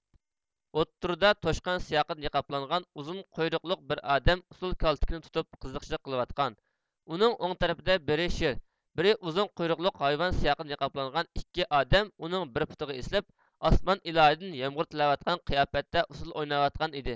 ئوتتۇرىدا توشقان سىياقىدا نىقابلانغان ئۇزۇن قۇيرۇقلۇق بىر ئادەم ئۇسسۇل كالتىكىنى تۇتۇپ قىزقچىلىق قىلىۋاتقان ئۇنىڭ ئوڭ تەرىپىدە بىرى شىر بىرى ئۇزۇن قۇيرۇقلۇق ھايۋان سىياقىدا نىقابلانغان ئىككى ئادەم ئۇنىڭ بىر پۇتىغا ئېسىلىپ ئاسمان ئىلاھىدىن يامغۇر تىلەۋاتقان قىياپەتتە ئۇسسۇل ئويناۋاتقان ئىدى